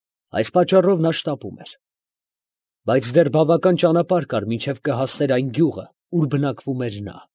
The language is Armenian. Այս պատճառով շտապում էր նա։ Բայց դեռ բավական ճանապարհ կար, մինչև կհասներ այն գյուղը, ուր բնակվում էր նա։